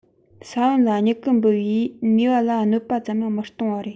ས བོན ལ མྱུ གུ འབུ བའི ནུས པ ལ གནོད པ ཙམ ཡང མི གཏོང བ རེད